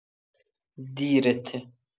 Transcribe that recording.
دیرته؟